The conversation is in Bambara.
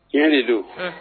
Tiɲɛ de don